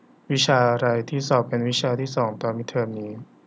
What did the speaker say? วิชาอะไรที่สอบเป็นวิชาที่สองตอนมิดเทอมนี้